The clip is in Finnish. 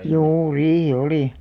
juu riihi oli